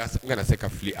A ka na se ka fili